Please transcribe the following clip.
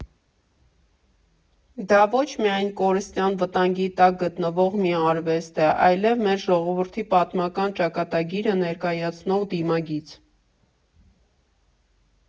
Դա ոչ միայն կորստյան վտանգի տակ գտնվող մի արվեստ է, այլև մեր ժողովրդի պատմական ճակատագիրը ներկայացնող դիմագիծ։